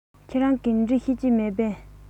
ཁྱེད རང གིས འབྲི ཤེས ཀྱི མེད པས